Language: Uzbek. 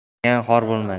ishlagan xor bo'lmas